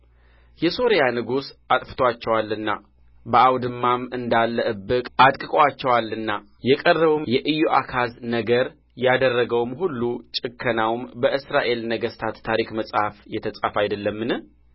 የሶርያ ንጉሥ አጥፍቶአቸዋልና በአውድማም እንዳላ ዕብቅ አድቅቆአቸዋልና የቀረውም የኢዮአካዝ ነገር ያደረገውም ሁሉ ጭከናውም በእስራኤል ነገሥታት ታሪክ መጽሐፍ የተጻፈ አይደለምን